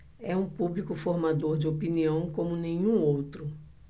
é um público formador de opinião como nenhum outro